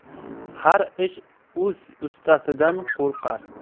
har ish o'z ustasidan qo'rqar